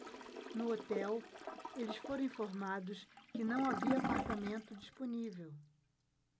no hotel eles foram informados que não havia apartamento disponível